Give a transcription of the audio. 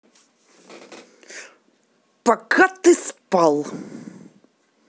покатыспал